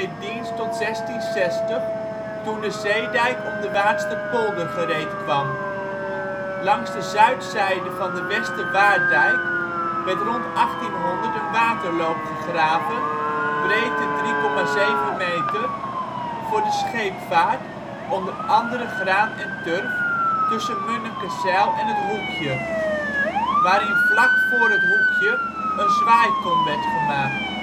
dienst tot 1660, toen de zeedijk om de Waardsterpolder gereed kwam. Langs de zuidzijde van de Wester Waarddijk werd rond 1800 een waterloop gegraven (breedte: 3,7 meter) voor de scheepvaart (onder andere graan en turf) tussen Munnekezijl en het Hoekje, waarin vlak voor het Hoekje een zwaaikom werd gemaakt